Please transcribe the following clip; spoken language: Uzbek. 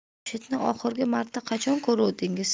jamshidni oxirgi marta qachon ko'ruvdingiz